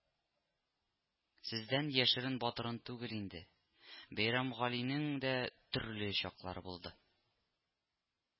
— сездән яшерен-батырын түгел инде, бәйрәмгалинең дә төрле чаклары булды